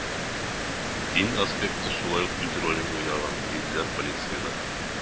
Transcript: Дин аспекты шулай ук үз ролен уйнаган, диделәр полициядә.